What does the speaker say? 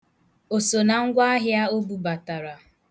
O so na ngwaahịa o bubatara?